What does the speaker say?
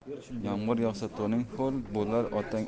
yomg'ir yog'sa to'ning ho'l bo'lar